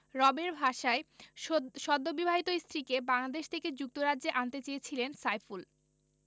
রবের ভাষায় সদ্যবিবাহিত স্ত্রীকে বাংলাদেশ থেকে যুক্তরাজ্যে আনতে চেয়েছিলেন সাইফুল